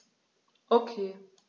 Okay.